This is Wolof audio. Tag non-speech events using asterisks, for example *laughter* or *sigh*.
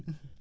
*hesitation* *hesitation*